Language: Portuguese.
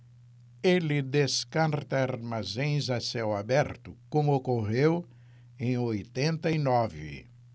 ele descarta armazéns a céu aberto como ocorreu em oitenta e nove